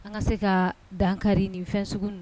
An ka se ka dankari nin fɛn sugu